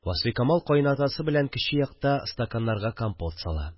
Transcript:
Васфикамал каенатасы белән кече якта стаканнарга компот сала